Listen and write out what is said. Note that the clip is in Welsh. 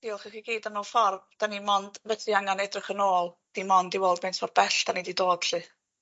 Diolch i chi gyd a mewn ffordd 'dan ni mond fedru angan edrych yn ôl dim ond i weld faint mor bell 'dan ni 'di dod 'lly.